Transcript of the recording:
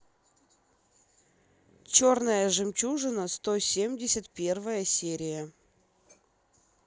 черная жемчужина сто семьдесят первая серия